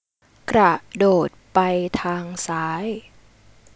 กระโดดไปทางซ้าย